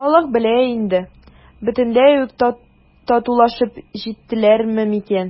«алла белә инде, бөтенләй үк татулашып җиттеләрме икән?»